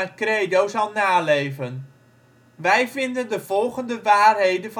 credo zal naleven: " Wij vinden de volgende waarheden